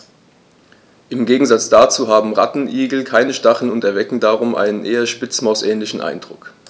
Im Gegensatz dazu haben Rattenigel keine Stacheln und erwecken darum einen eher Spitzmaus-ähnlichen Eindruck.